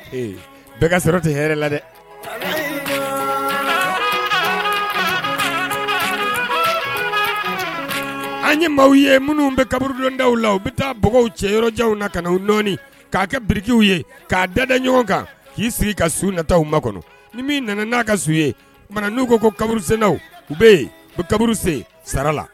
Bɛɛ ka sɔrɔ tɛ hɛrɛ la dɛ an ye mɔgɔw ye minnu bɛ kaburudondaw la u bɛ taa b cɛ yɔrɔjan na ka u nɔɔni k'a kɛ birikiw ye k'a da ɲɔgɔn kan k'i sigi ka su nata u ba kɔnɔ ni min nana n'a ka su ye n'u ko kaburusendaw u bɛ yen kaburu sen sara la